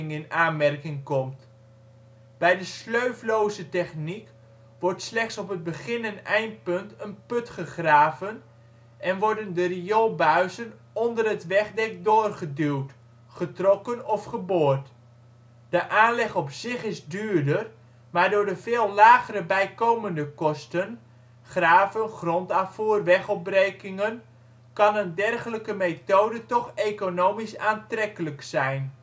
in aanmerking komt. Bij de " sleufloze techniek " wordt slechts op het begin - en eindpunt een put gegraven en worden de rioolbuizen onder het wegdek door geduwd, getrokken of geboord. De aanleg op zich is duurder, maar door de veel lagere bijkomende kosten (graven, grondafvoer, wegopbrekingen) kan een dergelijke methode toch economisch aantrekkelijk zijn